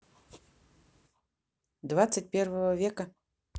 двадцать первого века